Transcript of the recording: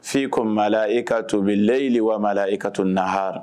Fkomaa la i kaa tobi lɛyilimaa la i ka to naha